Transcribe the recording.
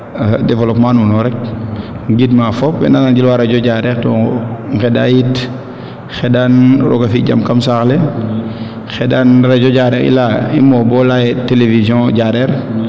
developpement nuun o rek ngind ma fop weena nan gilooxa radio Diarekh to ngndaa yit xendan rooga fi jjam kaam saaxle xendan radio Diarekh i leya i moof bo leya ye television Diarekh